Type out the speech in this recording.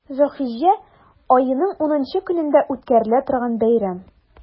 Зөлхиҗҗә аеның унынчы көнендә үткәрелә торган бәйрәм.